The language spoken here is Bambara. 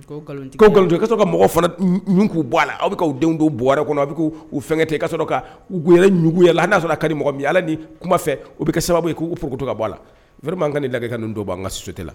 Ko nkalontigiya, ni ka sɔrɔ ka mɔgɔw fana ɲu k'u bɔ la, aw bɛ ka denw don bɔrɛ kɔnɔ a bɛ k'u fɛngɛ ten ka sɔrɔ ka bɔrɛ ɲugun u yɛrɛ la, hali n'a ka di mɔgɔ min ye, Ala ni kuma fɛ o bɛ sababu k'u porokoto ka bɔ la Vraiment an ka ni lajɛ ka ninnu dɔw b'an ka société la.